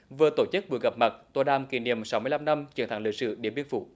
vừa tổ chức buổi gặp mặt tọa đàm kỷ niệm sáu mươi lăm năm chiến thắng lịch sử điện biên phủ